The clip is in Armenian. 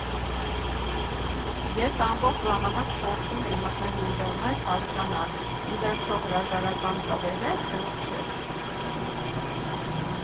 Ես ամբողջ ժամանակ փորձում էի մտնել ինտերնետ, հասկանալ, ի վերջո հրաժարական տվե՞լ է, թե չէ։